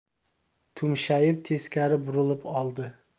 tumshayib teskari burilib oldi